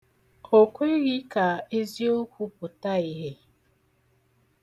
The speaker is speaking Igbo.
O kweghị ka eziokwu pụta ihie!